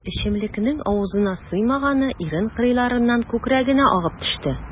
Эчемлекнең авызына сыймаганы ирен кырыйларыннан күкрәгенә агып төште.